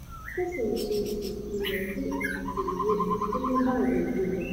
Ya kasance a tsinake, shirye, kuma ba girgiza."